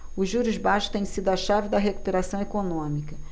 os juros baixos têm sido a chave da recuperação econômica